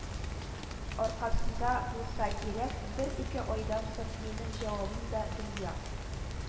Аркасында булса кирәк, бер-ике айдан соң минем җавабым да дөнья